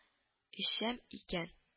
Эчәм икән